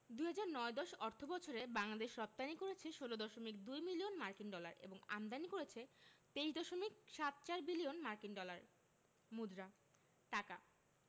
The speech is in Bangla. ২০০৯ ১০ অর্থবছরে বাংলাদেশ রপ্তানি করেছে ১৬দশমিক ২ মিলিয়ন মার্কিন ডলার এবং আমদানি করেছে ২৩দশমিক সাত চার বিলিয়ন মার্কিন ডলার মুদ্রা টাকা